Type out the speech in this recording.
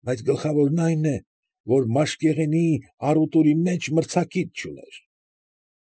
Բայց գլխավորն այն է, որ մաշկեղենի առուտուրի մեջ մրցակից չուներ։